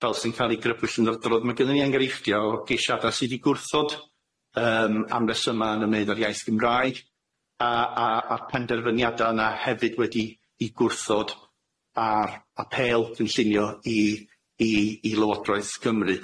fel sy'n ca'l i grybwll yn yr ydrodd ma' gynnon ni enghreifftia o geisiada sydd i gwrthod yym am resyma yn ymwneud â'r iaith Gymraeg a a a'r penderfyniada yna hefyd wedi i gwrthod ar apêl cynllunio i i i Lywodraeth Cymru.